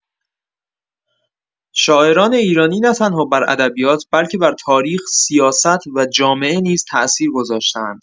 شاعران ایرانی نه‌تنها بر ادبیات بلکه بر تاریخ، سیاست و جامعه نیز تاثیر گذاشته‌اند.